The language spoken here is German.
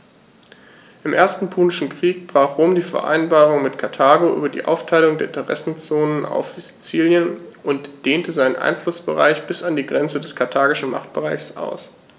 Im Ersten Punischen Krieg brach Rom die Vereinbarung mit Karthago über die Aufteilung der Interessenzonen auf Sizilien und dehnte seinen Einflussbereich bis an die Grenze des karthagischen Machtbereichs aus.